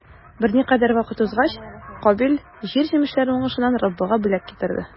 Берникадәр вакыт узгач, Кабил җир җимешләре уңышыннан Раббыга бүләк китерде.